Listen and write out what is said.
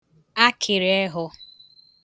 akịrịeho